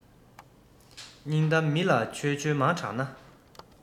སྙིང གཏམ མི ལ འཆོལ འཆོལ མང དྲགས ན